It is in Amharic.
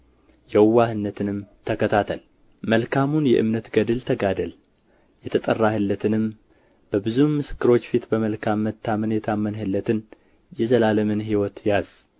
የዋህነትንም ተከታተል መልካሙን የእምነት ገድል ተጋደል የተጠራህለትንም በብዙም ምስክሮች ፊት በመልካም መታመን የታመንህለትን የዘላለምን ሕይወት ያዝ